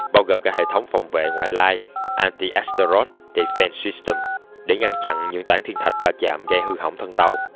bao gồm cả hệ thống phòng vệ ngoại lai antiasteroid defense system để ngăn chặn những tảng thiên thạch va chạm gây hư hỏng thân tàu